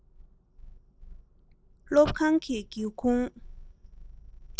སློབ ཁང གི སྒེའུ ཁུང